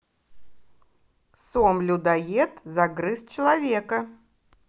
сом людоед загрыз человека